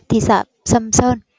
thị xã sầm sơn